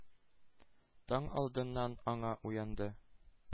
Таң алдыннан ана уянды —